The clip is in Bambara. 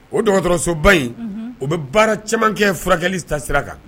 O dɔgɔtɔrɔsoba in u bɛ baara caman kɛ furakɛli ta sira kan